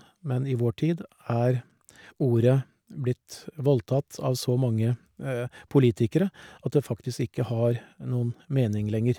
Men i vår tid er ordet blitt voldtatt av så mange politikere at det faktisk ikke har noen mening lenger.